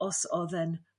os o'dd e'n